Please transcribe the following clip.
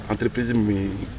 Entreprise min